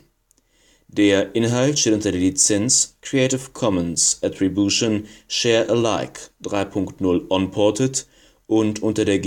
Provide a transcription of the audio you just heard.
Der Inhalt steht unter der Lizenz Creative Commons Attribution Share Alike 3 Punkt 0 Unported und unter der